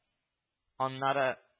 Аннары